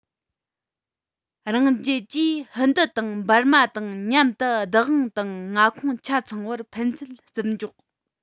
རང རྒྱལ གྱིས ཧིན རྡུ དང འབར མ དང མཉམ དུ བདག དབང དང མངའ ཁོངས ཆ ཚང བར ཕན ཚུན བརྩི འཇོག